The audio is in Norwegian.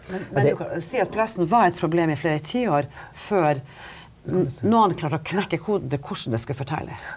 men men vi kan jo si at plasten var et problem i flere tiår før noen klarte å knekke koden til hvordan det skulle fortelles.